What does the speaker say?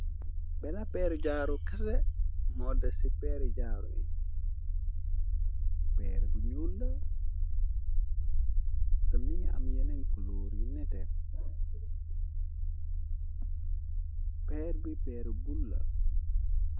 Benn peer jaaru kase moo de ci peer jaaru yi peer bu nula te mi ngi am yeneen kuloor yu neté per bi peer bulla.